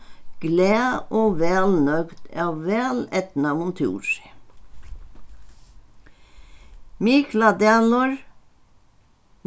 glað og væl nøgd av væleydnaðum túri mikladalur